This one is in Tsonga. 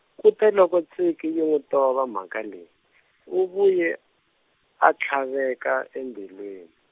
kute loko Tsinkie yi n'wi tova mhaka leyi, u vuye, a tlhaveka embilwini.